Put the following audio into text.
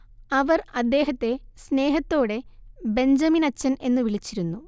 അവർ അദ്ദേഹത്തെ സ്നേഹത്തോടെ ബെഞ്ചമിനച്ചൻ എന്ന് വിളിച്ചിരുന്നു